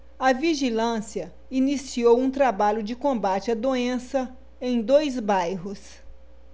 a vigilância iniciou um trabalho de combate à doença em dois bairros